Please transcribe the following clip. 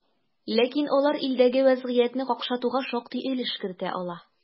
Ләкин алар илдәге вазгыятьне какшатуга шактый өлеш кертә ала.